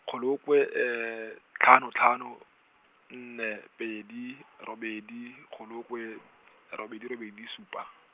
kgolokwe , tlhano tlhano, nne pedi , robedi, kgolokwe, robedi robedi supa.